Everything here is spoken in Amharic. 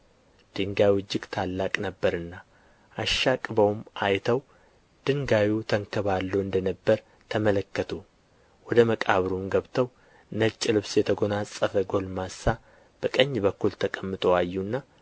ድንጋዩ እጅግ ትልቅ ነበርና አሻቅበውም አይተው ድንጋዩ ተንከባሎ እንደ ነበር ተመለከቱ ወደ መቃብሩም ገብተው ነጭ ልብስ የተጎናጸፈ ጎልማሳ በቀኝ በኩል ተቀምጦ አዩና